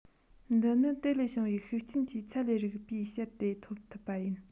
འདི ནི དེ ལས བྱུང བའི ཤུགས རྐྱེན གྱི ཚད ལས རིགས པས དཔྱད དེ ཐོབ ཐུབ པ ཡིན